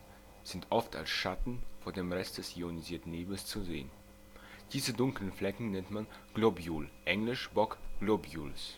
Schatten vor dem Rest des ionisierten Nebels zu sehen. Diese Dunklen Flecke nennt man Globule (engl. Bok globules